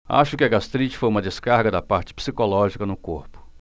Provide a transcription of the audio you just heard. acho que a gastrite foi uma descarga da parte psicológica no corpo